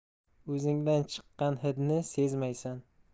o'zingdan chiqqan hidni sezmaysan